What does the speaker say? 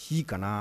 Si kana